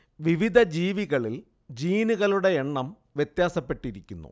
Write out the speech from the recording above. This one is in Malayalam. വിവിധ ജീവികളിൽ ജീനുകളുടെ എണ്ണം വ്യത്യാസപ്പെട്ടിരിക്കുന്നു